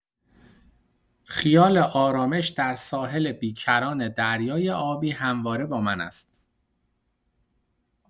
خیال آرامش در ساحل بی‌کران دریای آبی همواره با من است.